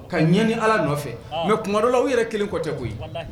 Ka ɲɛani ala nɔfɛ mɛ kumada la u yɛrɛ kelen kɔ tɛ koyi koyi